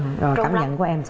rồi cảm nhận của em